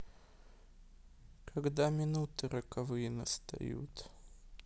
когда минуты роковые настают